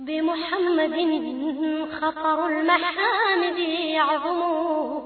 Denmugɛninunɛgɛnin yo